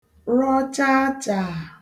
rọ chaachàà